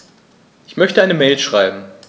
Ich möchte eine Mail schreiben.